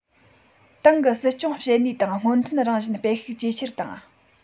ཏང གི སྲིད སྐྱོང བྱེད ནུས དང སྔོན ཐོན རང བཞིན སྤེལ ཤུགས ཇེ ཆེར བཏང